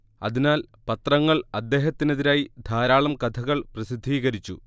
അതിനാൽ പത്രങ്ങൾ അദ്ദേഹത്തിനെതിരായി ധാരാളം കഥകൾ പ്രസിദ്ധീകരിച്ചു